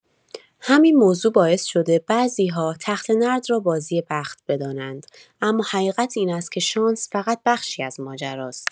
همین موضوع باعث شده بعضی‌ها تخته‌نرد را بازی بخت بدانند، اما حقیقت این است که شانس فقط بخشی از ماجراست.